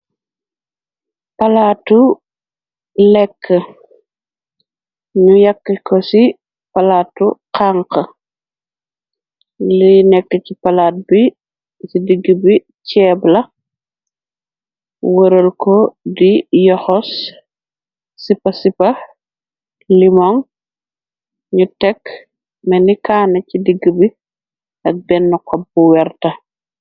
Palaatu lekke ñu yàkki ko ci palaatu kank li nekk ci palaat b ci digg bi ceeb la wëral ko di yoxo sipa-sipa limoŋ ñu tekk meni kanné ci digg bi ak benn xop bu werta.